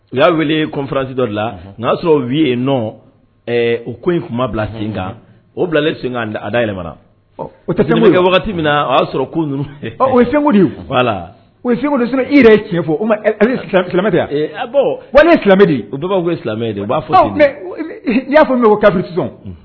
U y'a wele kofaransi dɔ de la y'a sɔrɔ' ye n nɔ u ko in kuma bila sen kan o bilalen seny yɛlɛmana o tɛmɛ wagati min na o y'a sɔrɔ ko ninnu o ye fɛnku de'a la o yeku de i yɛrɛ ye tiɲɛ fɔmɛ de wa nemɛ de o tɔgɔ bɛ silamɛmɛ de b'a fɔ n y'a fɔ n bɛ ko kabilabisɔn